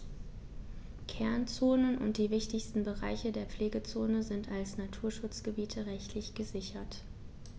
Kernzonen und die wichtigsten Bereiche der Pflegezone sind als Naturschutzgebiete rechtlich gesichert.